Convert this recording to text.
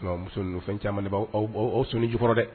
Muso fɛn camanmani' awaw so jukɔrɔ dɛ